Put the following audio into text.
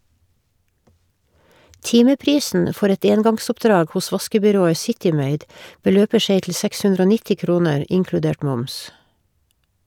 Timeprisen for et engangsoppdrag hos vaskebyrået City Maid beløper seg til 690 kroner inkludert moms.